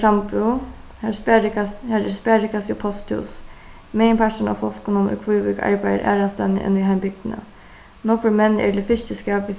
krambúð har har er sparikassi og posthús meginparturin av fólkunum í kvívík arbeiðir aðrastaðni enn í heimbygdini nógvir menn eru til fiskiskap við